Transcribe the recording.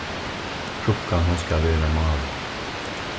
krukkan hon skal vera málað